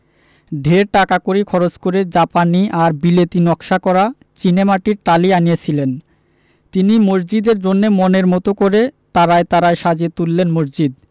ঢের টাকাকড়ি খরচ করে জাপানি আর বিলেতী নকশা করা চীনেমাটির টালি আনিয়েছিলেন তিনি মসজিদের জন্যে মনের মতো করে তারায় তারায় সাজিয়ে তুললেন মসজিদ